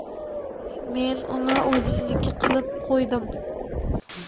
men uni o'zimniki qilib qo'ydim